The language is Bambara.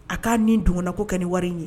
A k ka nin donnana ko kɛ nin wari ye